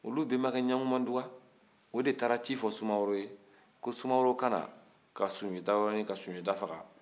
olu bɛnbakɛ ɲankumanduwa o de taara ci fɔ sumaworo ye ko sumaworo ka na ka sunjata yɔrɔ ɲini ka sunjata faga